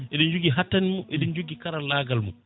eɗen jogui hattan mum eɗen jogui karallagal mum